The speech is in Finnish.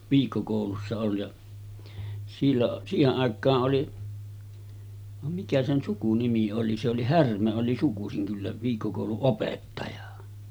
viikkokoulussa - ja silloin siihen aikaan oli vaan mikä sen sukunimi oli se oli Härmä oli sukuisin kyllä viikkokoulun opettaja